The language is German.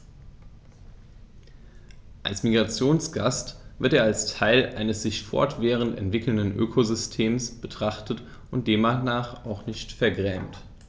Als Migrationsgast wird er als Teil eines sich fortwährend entwickelnden Ökosystems betrachtet und demnach auch nicht vergrämt.